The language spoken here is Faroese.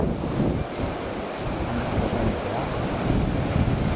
hann er akkurát farin í bað